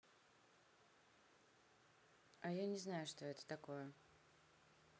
а я не знаю что это такое